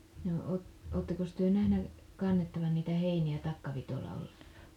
no - olettekos te nähnyt kannettavan niitä heiniä takkavitsoilla ollenkaan